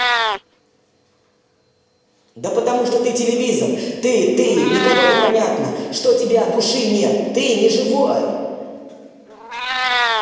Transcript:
да потому что ты телевизор ты ты никого не понятно что тебя души нет ты не живой